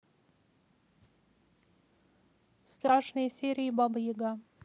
страшные серии баба яга